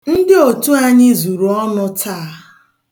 Ndị otu anyị zuru ọnụ taa.